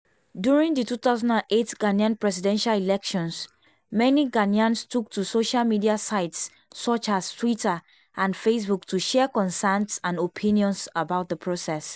During the 2008 Ghana Presidential elections, many Ghanaians took to social media sites such as Twitter and Facebook to share concerns and opinions about the process.